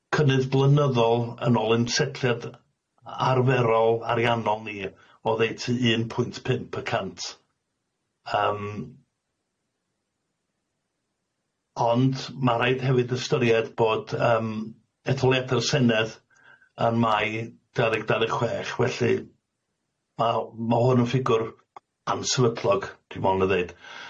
cynnydd blynyddol yn ôl ein setliad arferol ariannol ni o ddeutu un pwynt pump y cant yym. Ond ma' raid hefyd ystyried bod yym etholiadau'r Senedd yn Mai dau ddeg dau ddeg chwech, felly ma' -ma' hwn yn ffigwr a- ansefydlog dwi me'wl na'i ddeud.